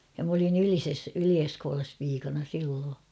ja minä olin Ylisessä Yli-Eskolassa piikana silloin